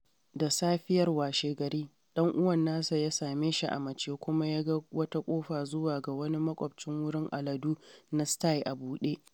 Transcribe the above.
Da safiyar washegari, ɗan uwan nasa ya same shi a mace, kuma ya ga wata ƙofa zuwa ga wani makwaɓcin wurin aladu na sty a buɗe.